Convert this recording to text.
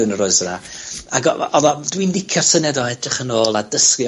yn yr oes yna, ag o- odd o, dwi'n licio syniad o edrych yn ôl a dysgu o